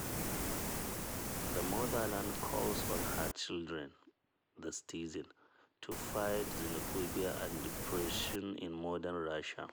The Motherland Calls on her children (the citizens) to fight xenophobia and repressions in modern Russia.